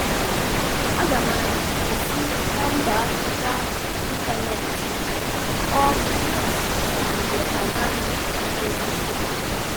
Aga m esi na mba ahụ gaa n'ịntaneet ọ kwesịsị mgbe anaghị ewetezi sịgịna.